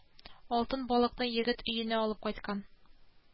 Алтын балыкны егет өенә алып кайткан